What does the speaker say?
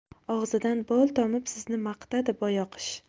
og'zidan bol tomib sizni maqtadi boyoqish